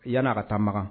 Yani ka taa Maka